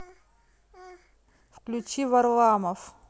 включи варламов